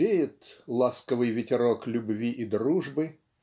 веет "ласковый ветерок любви и дружбы"